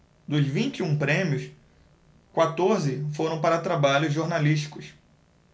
dos vinte e um prêmios quatorze foram para trabalhos jornalísticos